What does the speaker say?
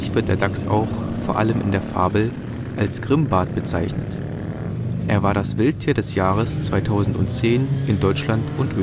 wird der Dachs auch – vor allem in der Fabel – als „ Grimbart “bezeichnet. Er war das Wildtier des Jahres 2010 in Deutschland und